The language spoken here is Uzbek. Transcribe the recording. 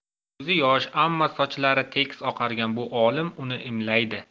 uzi yosh ammo sochlari tekis oqargan bu olim uni imlaydi